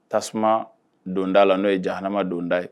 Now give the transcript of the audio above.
Tasuma donda la n'o ye jan hama donda ye